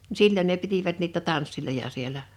no silloin ne pitivät niitä tansseja siellä